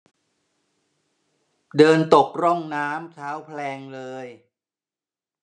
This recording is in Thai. เดินตกร่องน้ำเท้าแพลงเลย